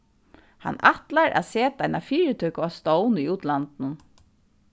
hann ætlar at seta eina fyritøku á stovn í útlandinum